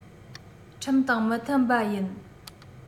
ཁྲིམས དང མི མཐུན པ ཡིན